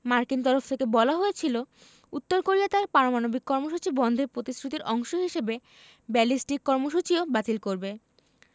মার্কিন তরফ থেকে বলা হয়েছিল উত্তর কোরিয়া তার পারমাণবিক কর্মসূচি বন্ধের প্রতিশ্রুতির অংশ হিসেবে ব্যালিস্টিক কর্মসূচিও বাতিল করবে